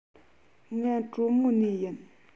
ང གྲོ མོ ནས ཡིན